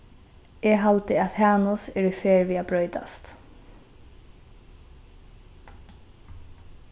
eg haldi at hanus er í ferð við at broytast